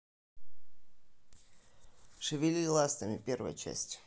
шевели ластами первая часть